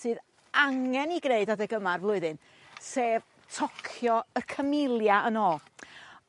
sydd angen i gneud adeg yma o'r flwyddyn sef tocio y Camellia yn ôl.